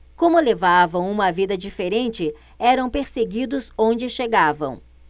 como levavam uma vida diferente eram perseguidos onde chegavam